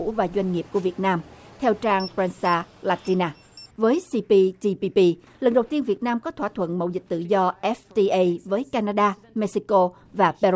và doanh nghiệp của việt nam theo trang phen ra lạc ti la với si pi ti pi pi lần đầu tiên việt nam có thỏa thuận mậu dịch tự do ép ti ây với ca na đa mê xi cô và be ru